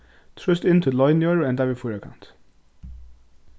trýst inn títt loyniorð og enda við fýrakanti